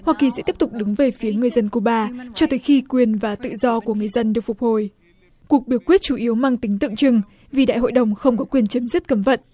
hoa kỳ sẽ tiếp tục đứng về phía người dân cu ba cho tới khi quyền và tự do của người dân được phục hồi cuộc biểu quyết chủ yếu mang tính tượng trưng vì đại hội đồng không có quyền chấm dứt cấm vận